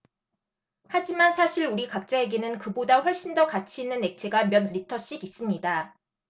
하지만 사실 우리 각자에게는 그보다 훨씬 더 가치 있는 액체가 몇 리터씩 있습니다